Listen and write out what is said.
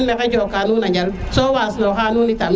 maxey joka nuna njal so was noxa i tam